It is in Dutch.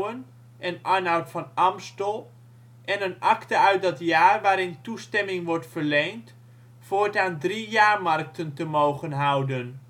en Arnoud van Amstel en een akte uit dat jaar waarin toestemming wordt verleend voortaan drie jaarmarkten te mogen houden